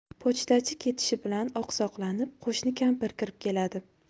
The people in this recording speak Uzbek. pochtachi ketishi bilan oqsoqlanib qo'shni kampir kirib keladi